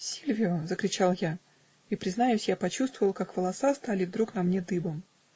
"Сильвио!" -- закричал я, и, признаюсь, я почувствовал, как волоса стали вдруг на мне дыбом.